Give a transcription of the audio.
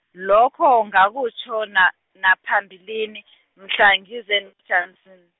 lokho ngakutjho na- naphambilini, mhla ngize n- Janson.